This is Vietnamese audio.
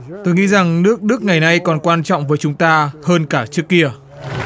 tôi nghĩ rằng nước đức ngày nay còn quan trọng với chúng ta hơn cả trước kia